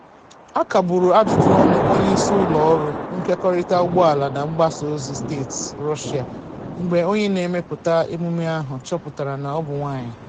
A kagburu ajụjụọnụ onyeisi ụlọọrụ nkekọrịta ụgbọala na mgbasaozi steeti Russia mgbe onye na-emepụta emume ahụ chọpụtara na ọ bụ nwaanyị.